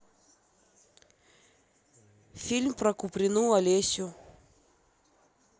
фильм по куприну олеся